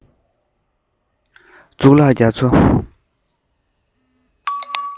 གཙུག ལག རྒྱ མཚོ